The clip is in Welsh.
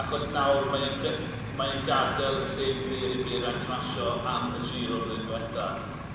achos nawr mae'n gy- mae e'n gadel y lle yn glir i Geraint rasio am y Giro blwyddyn dwetha.